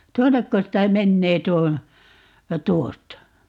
tuonnekos tämä menee tuo tuosta